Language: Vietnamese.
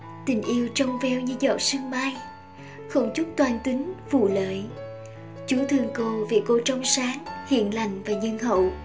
tình yêu trong veo như giọt sương mai không chút toan tính vụ lợi chú thương cô vì cô trong sáng hiền lành và nhân hậu